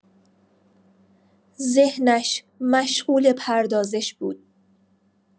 ذهنش مشغول پردازش بود